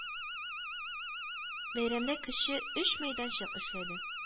Бәйрәмдә кече өч мәйданчык эшләде